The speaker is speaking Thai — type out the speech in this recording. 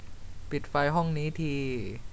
ปิดไฟห้องนี้ที